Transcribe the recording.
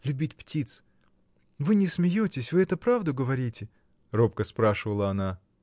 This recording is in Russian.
любить птиц: вы не смеетесь, вы это правду говорите? — робко спрашивала она.